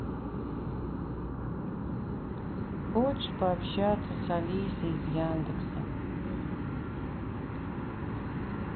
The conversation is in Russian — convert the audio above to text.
хочешь пообщаться с алисой из яндекса